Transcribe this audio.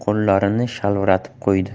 qo'llarini shalviratib qo'ydi